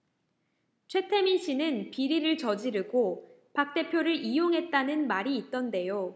최태민씨는 비리를 저지르고 박 대표를 이용했다는 말이 있던데요